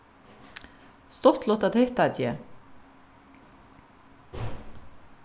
stuttligt at hitta teg